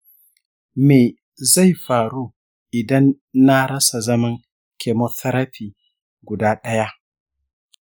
me zai faru idan na rasa zaman chemotherapy guda ɗaya?